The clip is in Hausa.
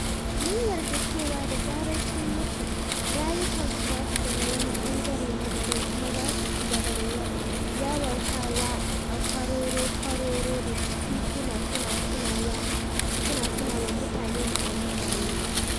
Mun yarda cewa da zarar sun mutu, rayukansu za su zama wani ɓangare na garin kuma za su cigaba da yawatawa a kwararo-kwararo da tituna, suna tunawa mutane ma'anar rayuwa.